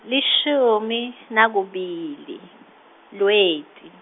lishumi, nakubili, Lweti.